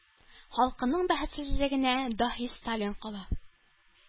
Халкының бәхетсезлегенә, “даһи” сталин кала.